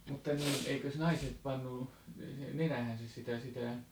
mutta niin eikös naiset pannut nenäänsä sitä sitä